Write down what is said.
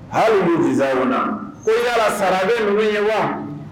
Halidu diɔn na o yala sara bɛugu ye wa